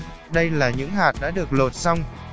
đây là những hạt đã được lột xong